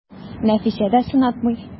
Нәфисә дә сынатмый.